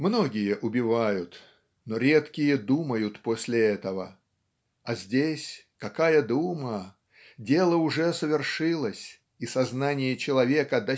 " Многие убивают, но редкие думают после этого. А здесь - какая дума! Дело уже совершилось. И сознание человека